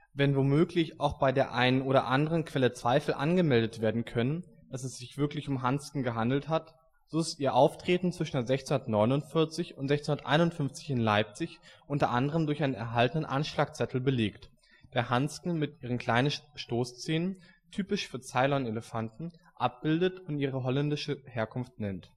Wenn womöglich auch bei der einen oder anderen Quelle Zweifel angemeldet werden können, dass es sich wirklich um Hansken gehandelt hat, so ist ihr Auftreten zwischen 1649 und 1651 in Leipzig unter anderem durch einen erhaltenen Anschlagzettel belegt, der Hansken mit ihren kleinen Stoßzähnen - typisch für Ceylon-Elefanten - abbildet und ihre holländische Herkunft nennt